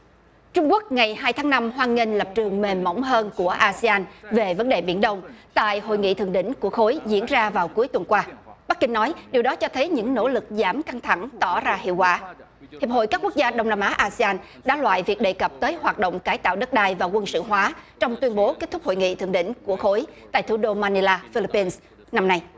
trung quốc ngày hai tháng năm hoan nghênh lập trường mềm mỏng hơn của a si an về vấn đề biển đông tại hội nghị thượng đỉnh của khối diễn ra vào cuối tuần qua bắc kinh nói điều đó cho thấy những nỗ lực giảm căng thẳng tỏ ra hiệu quả hiệp hội các quốc gia đông nam á a si an đã loại việc đề cập tới hoạt động cải tạo đất đai và quân sự hóa trong tuyên bố kết thúc hội nghị thượng đỉnh của khối tại thủ đô man ni la phi líp pin năm nay